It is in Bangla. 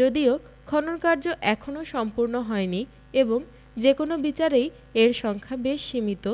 যদিও খনন কার্য এখনও সম্পূর্ণ হয়নি এবং যে কোন বিচারেই এর সংখ্যা বেশ সীমিত